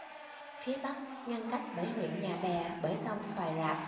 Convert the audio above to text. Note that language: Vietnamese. phía bắc ngăn cách với huyện nhà bè bởi sông soài rạp